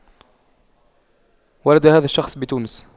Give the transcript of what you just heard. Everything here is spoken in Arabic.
ولد هذا الشخص بتونس